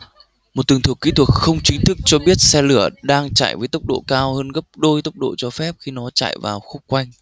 một tường thuật kỹ thuật không chính thức cho biết xe lửa đang chạy với tốc độ cao hơn gấp đôi tốc độ cho phép khi nó chạy vào khúc quanh